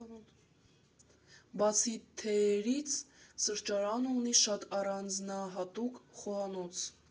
Բացի թեյերից, սրճարանը ունի շատ առանձնահատուկ խոհանոց։